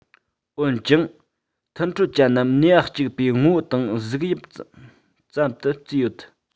འོན ཀྱང མཐུན འཕྲོད ཅན ནམ ནུས པ གཅིག པའི ངོ བོ དང གཟུགས དབྱིབས ཙམ དུ བརྩིས ཡོད